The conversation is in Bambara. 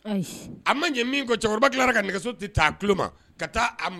Ayi a ma ɲɛ min kɔ cɛkɔrɔba tilara ka nɛgɛso te ta a tulo ma ka taa a m